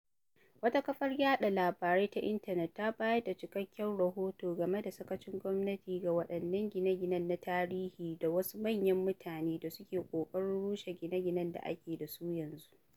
Wata kafar yaɗa labarai ta intanet ta bayar da cikakken rahoto game da sakacin gwamnati ga waɗannan gine-gine na tarihi da wasu manyan mutane da suke ƙoƙari rushe gine-ginen da ake da su yanzu: